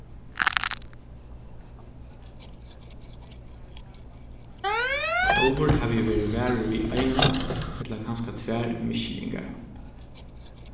sjálvur havi eg verið varur við eina ella kanska tvær misskiljingar